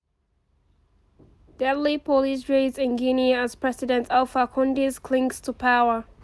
Deadly police raids in Guinea as President Alpha Condé clings to power